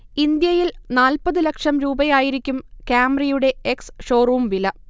ഇന്ത്യയിൽ നാൽപത് ലക്ഷം രൂപയായിരിക്കും കാംറിയുടെ എക്സ്ഷോറും വില